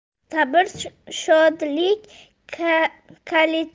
sabr shodlik kaliti